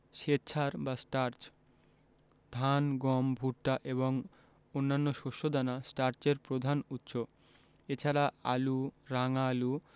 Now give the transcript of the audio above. শ্বেতসার বা স্টার্চ ধান গম ভুট্টা এবং অন্যান্য শস্য দানা স্টার্চের প্রধান উৎস এছাড়া আলু রাঙা আলু